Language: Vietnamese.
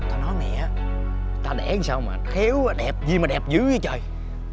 mẹ ta đẻ sao mà khéo đẹp gì mà đẹp dữ vậy trời